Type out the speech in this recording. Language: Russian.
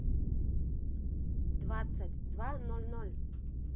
двадцать два ноль ноль